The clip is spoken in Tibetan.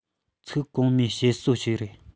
ཚིག གོང མའི བཤད སྲོལ ཞིག རེད